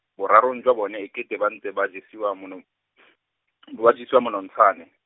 borarong jwa bone e kete ba ntse ba jesiwa monom- , ba jesiwa monontshane.